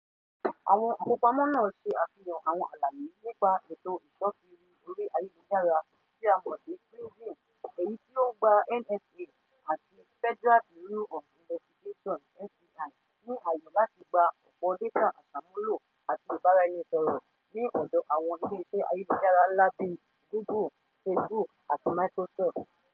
Àwọn àkópamọ́ náà ṣe àfihàn àwọn àlàyé nípa ètò ìṣọ́kiri orí Ayélujára tí a mọ̀ sí PRISM, èyí tí ó ń gba NSA àti Federal Bureau of Investigation (FBI) ní àyè láti gba ọ̀pọ̀ dátà aṣàmúlò àti ìbánisọ̀rọ̀ láti ọ̀dọ̀ àwọn ilé-iṣẹ́ Ayélujára ńlá bíi Google, Facebook, àti Microsoft.